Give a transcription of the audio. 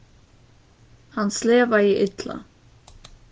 hann slevaði illa